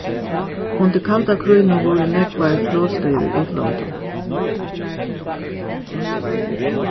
undir kalda krígnum vóru nógvar flogstøðir í útlondum